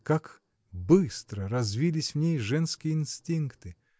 как быстро развились в ней женские инстинкты!